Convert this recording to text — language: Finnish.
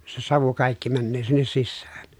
se savu kaikkia menee sinne sisään